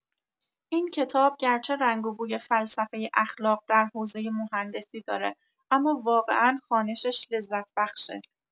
این کتاب گرچه رنگ و بوی فلسفۀ اخلاق در حوزۀ مهندسی داره اما واقعا خوانشش لذت بخشه